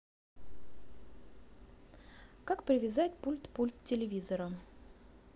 как привязать пульт пульт телевизора